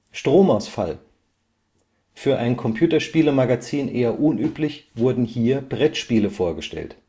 Stromausfall: Für ein Computerspielemagazin eher unüblich, wurden hier Brettspiele vorgestellt